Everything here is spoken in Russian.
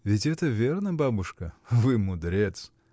— Ведь это верно, бабушка: вы мудрец.